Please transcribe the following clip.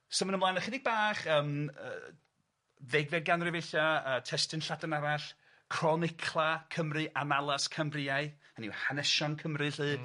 Symud ymlaen ychydig bach yym yy ddegfed ganrif ella yy testun Lladin arall, chronicla Cymru, Analas Cambriae, hynny yw hanesion Cymru 'lly. Hmm.